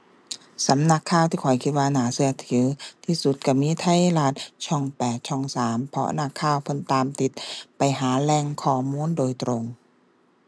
สำนักข่าวที่ข้อยคิดว่าน่าเชื่อถือที่สุดเชื่อมีไทยรัฐ ช่องแปด ช่องสาม เพราะนักข่าวเพิ่นตามติดไปหาแหล่งข้อมูลโดยตรง